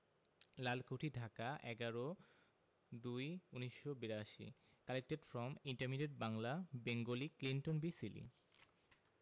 লালকুঠি ঢাকা ১১/০২/১৯৮২ collected from intermediate Bangla Bengali Clinton B Seely